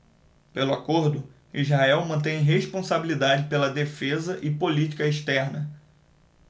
pelo acordo israel mantém responsabilidade pela defesa e política externa